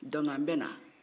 dɔnki an bɛ na